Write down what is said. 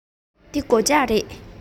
འདི སྒོ ལྕགས རེད